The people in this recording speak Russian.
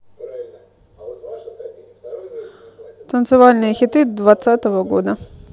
танцевальные хиты двадцатого года